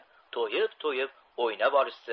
to'yib to'yib o'ynab olishsin